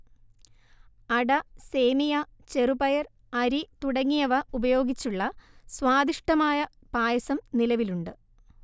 അട സേമിയ ചെറുപയർ അരി തുടങ്ങിയവ ഉപയോഗിച്ചുള്ള സ്വാദിഷ്ഠമായ പായസം നിലവിലുണ്ട്